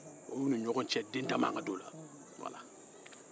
o y'u ni ɲɔgɔn cɛ ye den da man kan ka don la